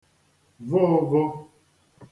vụ ụ̄vụ̄